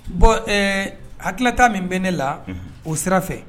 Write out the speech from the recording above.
Bɔn hakililata min bɛn ne la o sira fɛ